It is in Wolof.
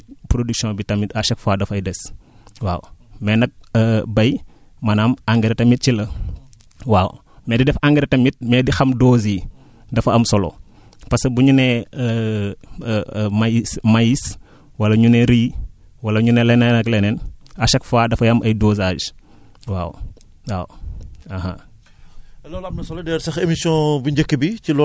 moo tax même bu ñu porodiwiiree tamit production bi tamit à chaque fois dafay des waaw mais nag bay maanaam engrais tamit ci la waaw mais di def engrais tamit mais di xam doses yi dafa am solo parce que bu ñu nee maïs maïs wala énu ne riz wala ñu ne leneen ak leneen à chaque fois dafay am ay dosage waaw waaw